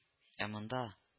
Ә монда